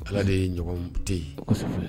Ala de ye ɲɔgɔn tɛ ye